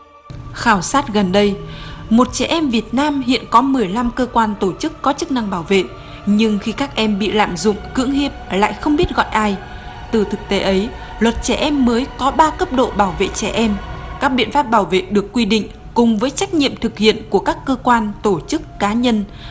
khảo sát gần đây một trẻ em việt nam hiện có mười lăm cơ quan tổ chức có chức năng bảo vệ nhưng khi các em bị lạm dụng cưỡng hiếp lại không biết gọi ai từ thực tế ấy luật trẻ em mới có ba cấp độ bảo vệ trẻ em các biện pháp bảo vệ được quy định cùng với trách nhiệm thực hiện của các cơ quan tổ chức cá nhân